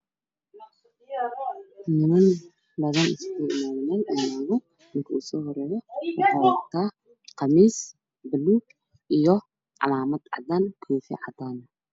Waa niman fadhiyaan meel wataan khamiis caddaan mid cadaan